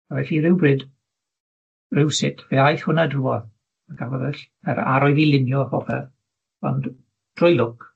A felly rywbryd, rywsut, fe aeth hwnna drwodd, a gafodd y ll- yr arwydd 'i lunio a popeth, ond drwy lwc